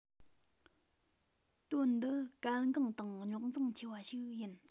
དོན འདི གལ འགངས དང རྙོག འཛིང ཆེ བ ཞིག ཡིན